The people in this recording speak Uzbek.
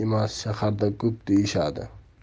emas shaharda ko'p deyishadi